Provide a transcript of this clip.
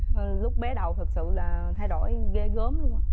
lúc bé đầu thực sự là thay đổi ghê gớm luôn á